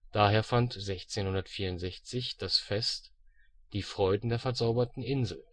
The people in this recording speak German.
Daher fand 1664 das Fest „ Die Freuden der verzauberten Insel